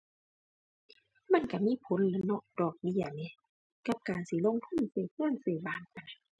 มันก็มีผลแหล้วเนาะ ดอกเบี้ยหนิ กับการสิลงทุนซื้อก็ซื้อบ้านพะนะ